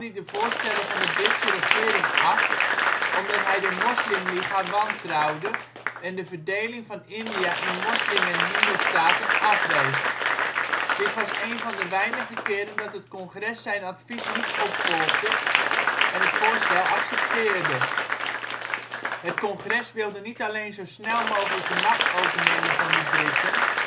de voorstellen van de Britse regering af, omdat hij de Moslimliga wantrouwde en de verdeling van India in moslim - en hindoestaten afwees. Dit was een van de weinige keren dat het Congres zijn advies niet opvolgde en het voorstel accepteerde. Het Congres wilde niet alleen zo snel mogelijk de macht overnemen van de Britten